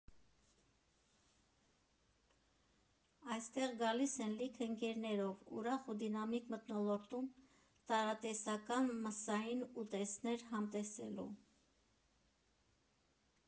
Այստեղ գալիս են լիքը ընկերներով՝ ուրախ ու դինամիկ մթնոլորտում տարատեսական մսային ուտեստներ համտեսելու։